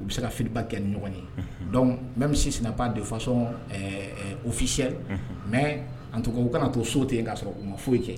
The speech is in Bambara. U bɛ se ka feedback kɛ ni ɲɔgɔn ye; Unhun; donc, même si ce n'est pas de façon officielle ;Unhun; mais en tout cas o kana to so ten k'a sɔrɔ o foyi kɛ.